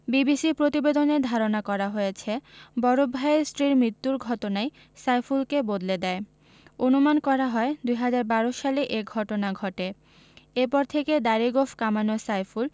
বিবিসির প্রতিবেদনে ধারণা করা হয়েছে বড় ভাইয়ের স্ত্রীর মৃত্যুর ঘটনাই সাইফুলকে বদলে দেয় অনুমান করা হয় ২০১২ সালে এ ঘটনা ঘটে এরপর থেকে দাড়ি গোঁফ কামানো সাইফুল